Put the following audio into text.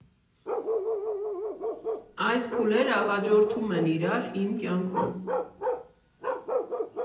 Այս փուլերը հաջորդում են իրար իմ կյանքում։